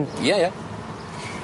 Ie ie.